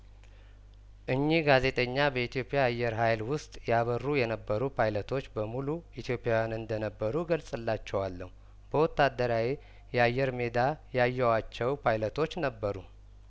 እኚህ ጋዜጠኛ በኢትዮፕያአየር ሀይል ውስጥ ያበሩ የነበሩ ፓይለቶች በሙሉ ኢትዮፕያዊያን እንደነበሩ እገልጽላችኋለሁ በወታደራዊ የአየር ሜዳ ያየኋቸው ፓይለቶች ነበሩ